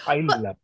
I love...